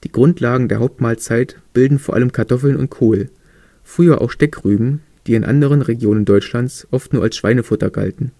Grundlagen der Hauptmahlzeit bilden vor allem Kartoffeln und Kohl, früher auch Steckrüben, die in anderen Regionen Deutschlands oft nur als „ Schweinefutter “galten